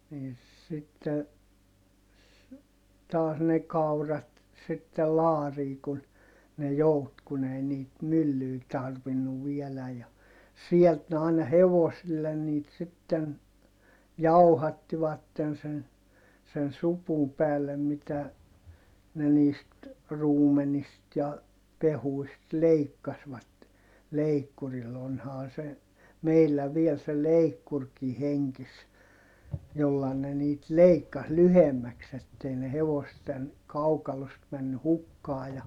niin sitten taas ne kaurat sitten laariin kun ne joutui kun ei niitä myllyä tarvinnut vielä ja sieltä ne aina hevosille niitä sitten jauhattivat sen sen supun päällä mitä ne niistä ruumenista ja pehkuista leikkasivat leikkurilla onhan se meillä vielä se leikkurikin hengissä jolla ne niitä leikkasi lyhyemmäksi että ei ne hevosten kaukalosta mennyt hukkaan ja